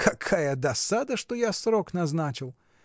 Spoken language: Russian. Какая досада, что я срок назначил!